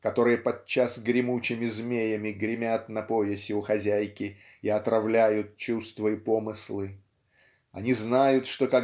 которые подчас гремучими змеями гремят на поясе у хозяйки и отравляют чувства и помыслы. Они знают что